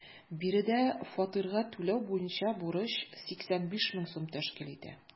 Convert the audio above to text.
Биредә фатирга түләү буенча бурыч 85 мең сум тәшкил итә.